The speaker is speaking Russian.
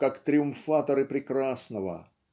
как триумфаторы прекрасного.